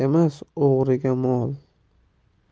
emas o'g'riga mol